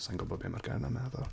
Sa i'n gwbo be mae'r gair 'na'n meddwl.